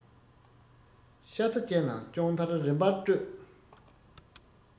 ཤ ཚ ཅན ལ སྐྱོང མཐར རིམ པར སྤྲོད